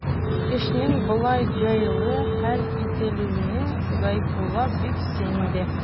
Эшнең болай җайлы хәл ителүенә Гайфулла бик сөенде.